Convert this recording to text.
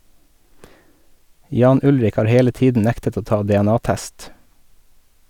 Jan Ullrich har hele tiden nektet å ta DNA-test.